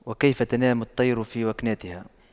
وكيف تنام الطير في وكناتها